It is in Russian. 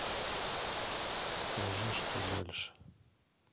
скажи что дальше